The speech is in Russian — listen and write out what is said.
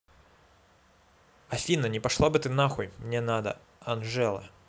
афина не пошла бы ты нахуй мне надо анджела